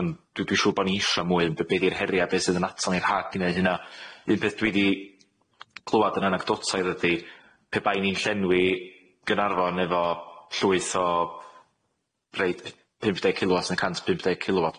ond dwi dwi siŵr bo' ni isio mwy ond be' be' di'r heria' be' sydd yn atal ni rhag ne' hynna un peth dwi di clwad yn anagdotaidd ydi pe bai ni'n llenwi G'narfon efo llwyth o rei yy p- p- pump dey kilowatt ne' cant pump dey kilowatt